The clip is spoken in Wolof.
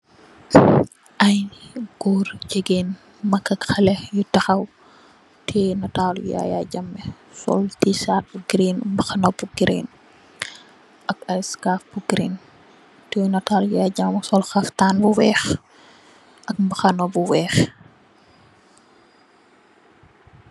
Aiiy gorre, gigain, mak ak haleh yu takhaw, tiyeh naatalu yaya jammeh, sol tshirt bu girin, mbahanah bu girin, ak aiiy scarf bu girin, tiyeh naatalu yaya jammeh mu sol khaftan bu wekh, ak mbahanah bu wekh.